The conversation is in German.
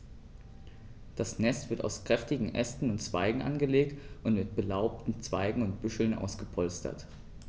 Das Nest wird aus kräftigen Ästen und Zweigen angelegt und mit belaubten Zweigen und Büscheln ausgepolstert.